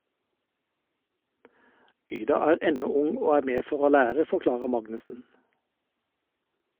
- Gyda er ennå ung og er med for å lære, forklarer Magnussen.